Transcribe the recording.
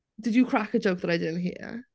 Did you crack a joke that I didn't hear?